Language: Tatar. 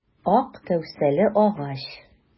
Ак кәүсәле агач.